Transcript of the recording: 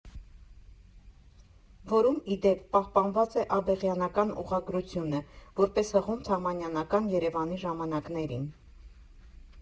Որում, ի դեպ, պահպանված է աբեղյանական ուղղագրությունը, որպես հղում թամանյանական Երևանի ժամանակներին։